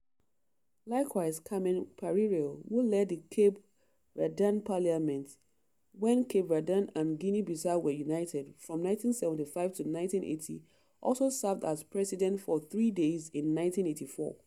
Likewise, Carmen Pereira, who led the Cape Verdean parliament (when Cape Verde and Guinea-Bissau were united) from 1975 to 1980, also served as president for three days in 1984.